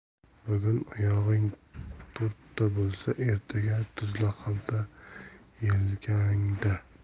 bugun oyog'ing to'rtta bo'lsa ertaga tuzli xalta yelkangda